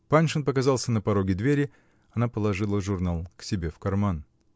Паншин показался на пороге двери: она положила журнал к себе в карман.